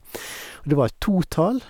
Og det var et totall.